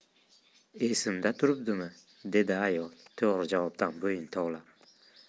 esimda turibdimi dedi ayol to'g'ri javobdan bo'yin tovlab